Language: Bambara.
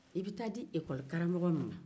i bɛ taa di ɛkɔli karamɔgɔ min ma